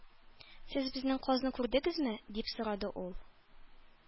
"сез безнең казны күрдегезме" дип сорады ул